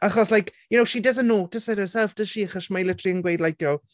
Achos, like, you know she doesn't notice it herself does she? Achos ma' hi literally yn gweud like, you know...